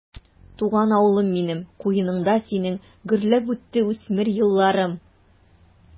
Туган авылым минем, куеныңда синең гөрләп үтте үсмер елларым.